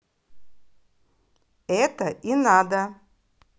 это и надо